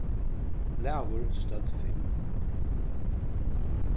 blæur stødd fimm